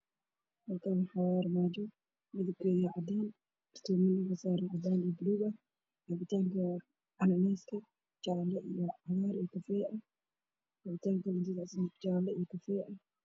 Meeshaan waxaa ka muuqda laba kartaan oo kala duwan mid waxaa ku qoran twitter mid waa geduud mid lacag ah